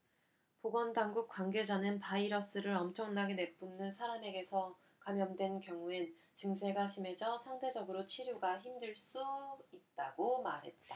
보건당국 관계자는 바이러스를 엄청나게 내뿜는 사람에게서 감염된 경우엔 증세가 심해져 상대적으로 치료가 힘들 수 있다고 말했다